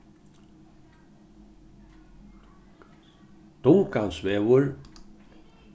dungansvegur